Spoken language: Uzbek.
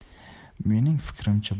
meni fikrimcha bu qizil